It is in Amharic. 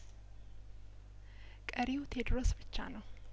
ቀሪው ቴድሮስ ብቻ ነው